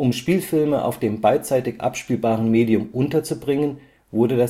Spielfilme auf dem beidseitig abspielbaren Medium unterzubringen, wurde